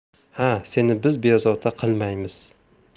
ha seni biz bezovta qilmaymiz